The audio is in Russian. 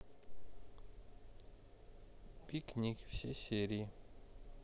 пикник все серии